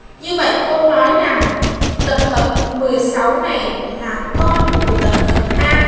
như vậy cô nói rằng tập hợp này là con của tập hợp a